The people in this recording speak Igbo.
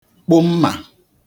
kpụ mmà